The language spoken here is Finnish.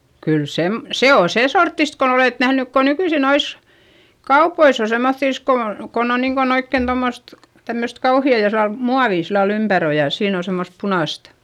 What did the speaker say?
kyllä - se on sen sorttista kun olette nähnyt kun nykyisin noissa kaupoissa on semmottoon kun on kun on niin kuin oikein tuommoista tämmöistä kauheaa jossa muovi sillä lailla ympäri on ja siinä on semmoista punaista